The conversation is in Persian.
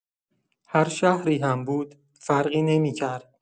هر شهری هم بود، فرقی نمی‌کند.